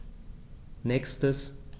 Nächstes.